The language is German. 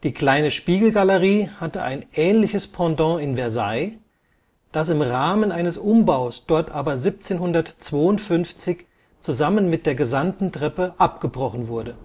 Kleine Spiegelgalerie hatte ein ähnliches Pendant in Versailles, das im Rahmen eines Umbaus dort aber 1752 zusammen mit der Gesandtentreppe abgebrochen wurde